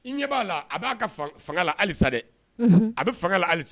I ɲɛ b'a la a b'a ka fangala la halisa dɛ a bɛ fanga la alisa